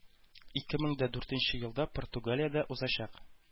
Ике мең дә дүртенче елда Португалиядә узачак